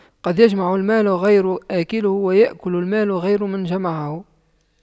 قد يجمع المال غير آكله ويأكل المال غير من جمعه